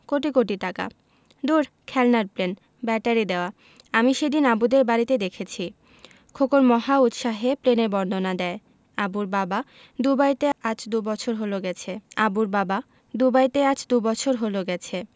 কোটি কোটি টাকা দূর খেলনার প্লেন ব্যাটারি দেয়া আমি সেদিন আবুদের বাড়িতে দেখেছি খোকন মহা উৎসাহে প্লেনের বর্ণনা দেয় আবুর বাবা দুবাইতে আজ দুবছর হলো গেছে